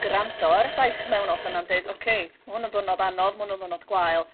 grando ar y llais mewnol 'sa 'na'n deud ok ma hwn yn ddiwrnod anodd ma' 'wn yn yn ddiwrnod gwael